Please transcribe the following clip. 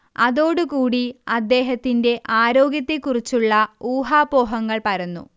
അതോടുകൂടി അദ്ദേഹത്തിൻറെ ആരോഗ്യത്തെ കുറിച്ചുള്ള ഊഹാപോഹങ്ങൾ പരന്നു